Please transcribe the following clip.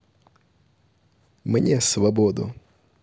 мне свободу